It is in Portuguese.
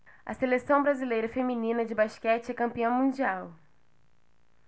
a seleção brasileira feminina de basquete é campeã mundial